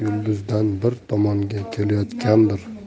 yulduzdan biz tomonga kelayotgandir